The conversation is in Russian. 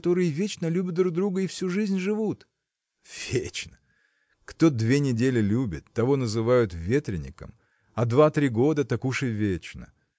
которые вечно любят друг друга и всю жизнь живут?. – Вечно! кто две недели любит того называют ветреником а два три года – так уж и вечно!